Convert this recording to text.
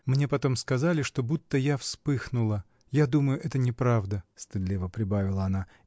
Мне потом сказали, что будто я вспыхнула: я думаю, это неправда, — стыдливо прибавила она.